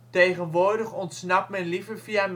Tegenwoordig ontsnapt men liever via